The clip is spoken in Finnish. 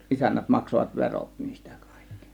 isännät maksoivat verot niistä kaikki